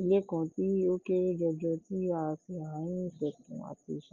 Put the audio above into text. ilé kan tí ó kéré jọjọ tí ó há sí àárín etíkun àti aṣálẹ̀.